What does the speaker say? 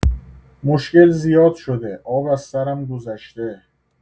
مشکل زیاد شده، آب از سرم گذشته.